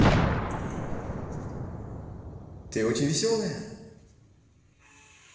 ты очень веселая